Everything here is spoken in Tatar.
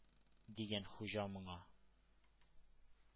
— дигән хуҗа моңа.